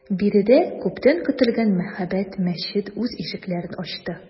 Биредә күптән көтелгән мәһабәт мәчет үз ишекләрен ачты.